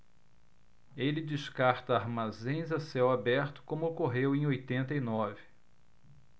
ele descarta armazéns a céu aberto como ocorreu em oitenta e nove